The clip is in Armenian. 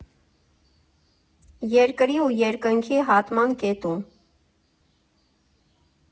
Երկրի ու երկնքի հատման կետում։